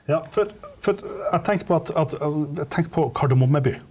ja for for jeg tenker på at at altså jeg tenker på Kardemomme by.